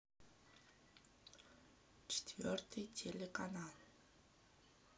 четвертый телеканал